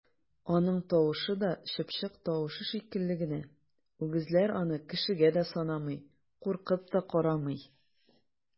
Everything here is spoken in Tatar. Аның тавышы да чыпчык тавышы шикелле генә, үгезләр аны кешегә дә санамый, куркып та карамый!